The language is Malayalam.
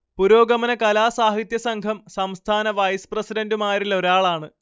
പുരോഗമന കലാ സാഹിത്യ സംഘം സംസ്ഥാന വൈസ് പ്രസിഡന്റുമാരിലൊരാളാണ്